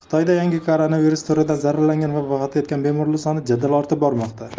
xitoyda yangi koronavirus turidan zararlangan va vafot etgan bemorlar soni jadal ortib bormoqda